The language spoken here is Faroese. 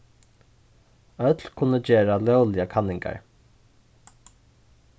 øll kunnu gera lógligar kanningar